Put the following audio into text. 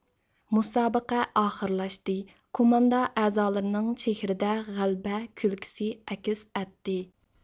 مۇسابىقە ئاخىرلاشتى كوماندا ئەزالىرىنىڭ چېھرىدە غەلىبە كۈلكىسى ئەكس ئەتتى